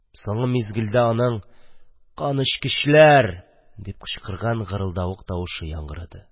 Соңгы мизгелдә аның: – Канечкечләр!.. – дип кычкырган гырылдавык тавышы яңгырады.